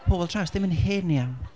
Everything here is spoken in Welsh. pobl draws ddim yn hen iawn.